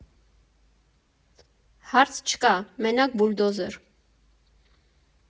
֊ Հարց չկա, մենակ բուլդոզեր։